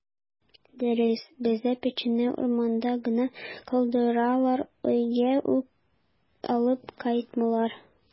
Дөрес, бездә печәнне урманда гына калдыралар, өйгә үк алып кайтмыйлар.